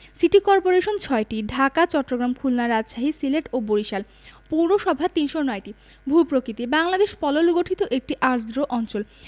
city corporation ৬টি ঢাকা চট্টগ্রাম খুলনা রাজশাহী সিলেট ও বরিশাল পৌরসভা ৩০৯টি ভূ প্রকৃতিঃ বাংলদেশ পলল গঠিত একটি আর্দ্র অঞ্চল